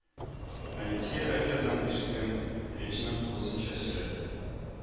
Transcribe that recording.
Алексей радиодан ишеткән речьне тулысынча сөйләп